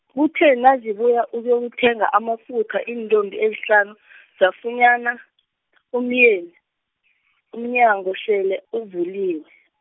kuthe nazibuya ukuyokuthenga amafutha iintombi ezihlanu , zafunyana, umyeni, umnyango sele uvaliwe.